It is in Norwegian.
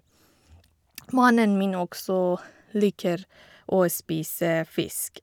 Mannen min også liker å spise fisk.